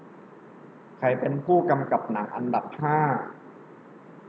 ใครเป็นผู้กำกับหนังอันดับห้า